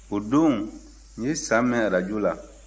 o don ne ye san mɛn arajo la